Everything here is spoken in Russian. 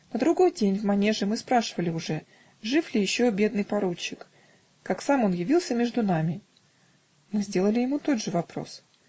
На другой день в манеже мы спрашивали уже, жив ли еще бедный поручик, как сам он явился между нами мы сделали ему тот же вопрос.